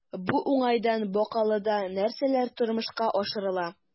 Бу уңайдан Бакалыда нәрсәләр тормышка ашырыла?